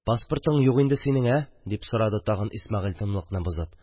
Паспортың юк инде синең, ә? – дип сорады тагын Исмәгыйль, тынлыкны бозып.